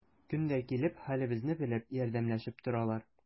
Көн дә килеп, хәлебезне белеп, ярдәмләшеп торалар.